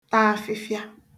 ta afịfịa